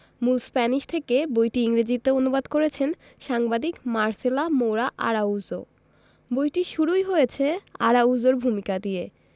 মূল স্প্যানিশ থেকে বইটি ইংরেজিতে অনু্বাদ করেছেন সাংবাদিক মার্সেলা মোরা আরাউজো বইটি শুরুই হয়েছে আরাউজোর ভূমিকা দিয়ে